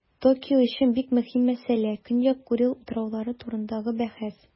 Токио өчен бик мөһим мәсьәлә - Көньяк Курил утраулары турындагы бәхәс.